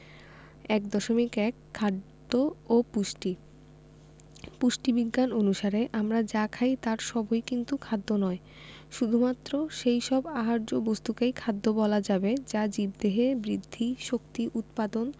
১.১ খাদ্য ও পুষ্টি পুষ্টিবিজ্ঞান অনুসারে আমরা যা খাই তার সবই কিন্তু খাদ্য নয় শুধুমাত্র সেই সব আহার্য বস্তুকেই খাদ্য বলা যাবে যা জীবদেহে বৃদ্ধি শক্তি উৎপাদন